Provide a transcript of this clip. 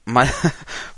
ma'